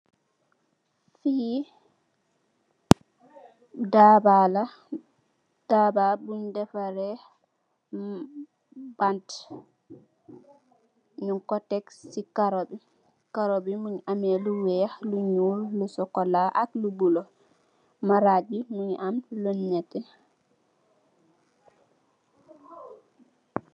Lee daba la daba bun defareh banteu nyungko tek ci karo bi karobi mungi ameh lu weex lu nyool lu sokola ak lu bulo maraj bi mungi am lu nete.